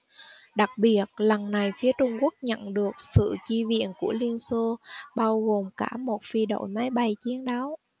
đặc biệt lần này phía trung quốc nhận được sự chi viện của liên xô bao gồm cả một phi đội máy bay chiến đấu